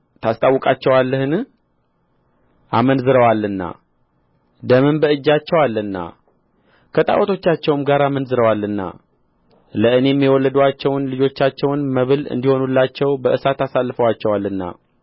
ታስታውቃቸዋለህ አመንዝረዋልና ደምም በእጃቸው አለና ከጣዖቶቻቸውም ጋር አመንዝረዋልና ለእኔም የወለዱአቸውን ልጆቻቸውን መብል እንዲሆኑላቸው በእሳት አሳልፈዋቸዋልና